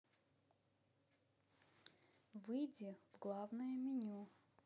выйди в главное меню